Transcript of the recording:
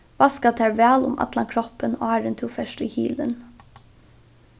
vaska tær væl um allan kroppin áðrenn tú fert í hylin